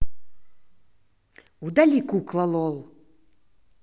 удали кукла lol